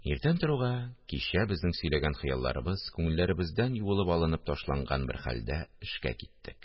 Иртән торуга, кичә безнең сөйләгән хыялларыбыз күңелләребездән юылып алынып ташланган бер хәлдә эшкә киттек